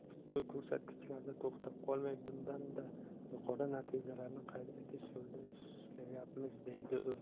biz bu ko'rsatkichlarda to'xtab qolmay bundan da yuqori natijalarni qayd etish yo'lida ishlayapmiz dedi u